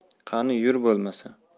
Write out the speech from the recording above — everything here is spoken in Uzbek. qani yur bo'lmasa